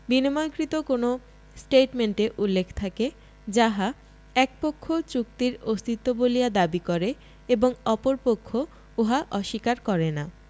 বিনিময়কৃত কোন ষ্টেটমেন্টে উল্লেখ থাকে যাহা এক পক্ষ চুক্তির অস্তিত্ব বলিয়া দাবী করে এবং অপর পক্ষ উহা অস্বীকার করে না